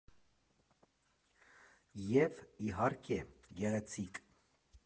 Եվ, իհարկե, գեղեցիկ։